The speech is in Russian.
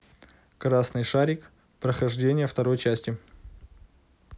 красный шарик прохождение второй части